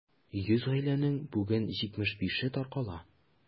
100 гаиләнең бүген 75-е таркала.